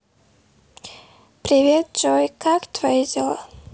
привет джой как твои дела